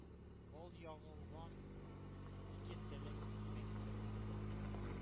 Бал ягылган ике телем икмәктер ул: